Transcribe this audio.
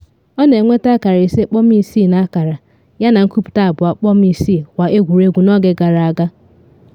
Ọ na enweta akara 5.6 n’ọkara yana nkụpụta 2.6 kwa egwuregwu n’oge gara aga.